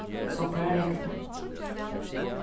so fór at regna